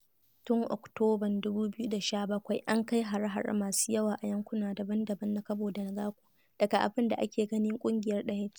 Tun Oktoban 2017, an kai hare-hare masu yawa a yankuna daban-daban na Cabo Delgado daga abin da ake ganin ƙungiya ɗaya ce.